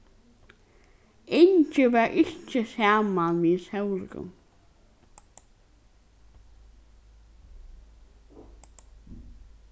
ingi var ikki saman við sólrun